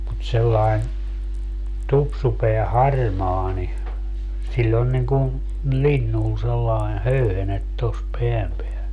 mutta sellainen tupsupää harmaa niin sillä on niin kuin linnun sellainen höyhenet tuossa pään päällä